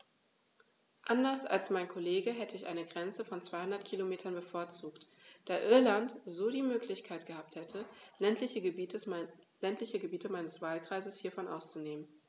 Anders als mein Kollege hätte ich eine Grenze von 200 km bevorzugt, da Irland so die Möglichkeit gehabt hätte, ländliche Gebiete meines Wahlkreises hiervon auszunehmen.